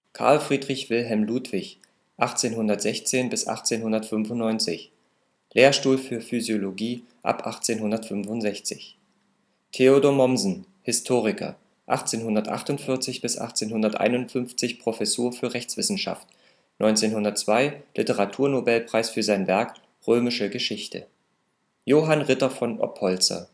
Carl Friedrich Wilhelm Ludwig (1816 – 1895), Lehrstuhl für Physiologe ab 1865 Theodor Mommsen, Historiker, 1848 – 1851 Professur für Rechtswissenschaft, 1902 Literaturnobelpreis für sein Werk Römische Geschichte Johann Ritter von Oppolzer